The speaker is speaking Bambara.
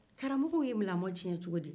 karamɔgɔw ye lamɔ tiɲɛ cogodi